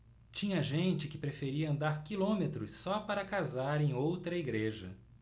tinha gente que preferia andar quilômetros só para casar em outra igreja